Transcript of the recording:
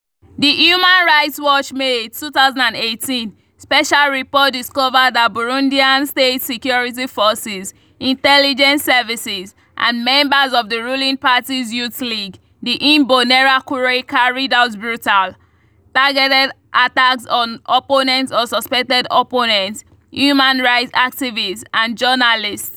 The Human Rights Watch May 2018 special report discovered that Burundian state security forces, intelligence services, and members of the ruling party’s youth league, the Imbonerakure, carried out brutal, targeted attacks on opponents or suspected opponents, human rights activists, and journalists.